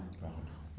baax na